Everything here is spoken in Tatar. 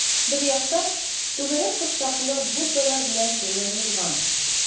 Бер яктан - түгәрәк корсаклы буддалар белән тулы нирвана.